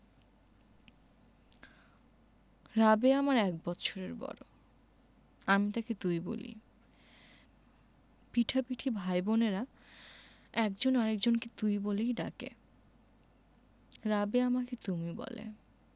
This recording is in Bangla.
রাবেয়া আমার এক বৎসরের বড় আমি তাকে তুই বলি পিঠাপিঠি ভাই বোনের একজন আরেক জনকে তুই বলেই ডাকে রাবেয়া আমাকে তুমি বলে